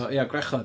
Ia gwrachod.